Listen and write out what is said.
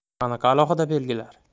qanaqa alohida belgilari